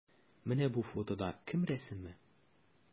Менә бу фотода кем рәсеме?